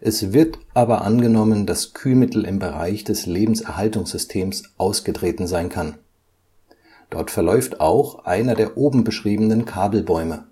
Es wird aber angenommen, dass Kühlmittel im Bereich des Lebenserhaltungssystems ausgetreten sein kann. Dort verläuft auch einer der oben beschriebenen Kabelbäume